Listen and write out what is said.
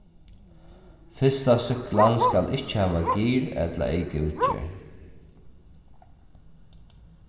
fyrsta súkklan skal ikki hava gir ella eykaútgerð